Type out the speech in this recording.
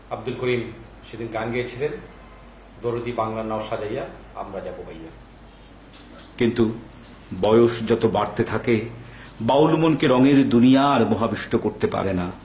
আব্দুল করিম সেদিন গান গেয়েছিলেন দরদী বাংলা নও সাজাইয়া আমরা যাব বাইয়া কিন্তু বয়স যত বাড়তে থাকে বাউল মন কে রং এর দুনিয়া আর মোহাবিষ্ট করতে পারে না